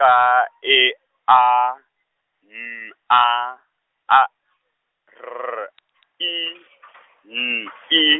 A E A N A A R I N I.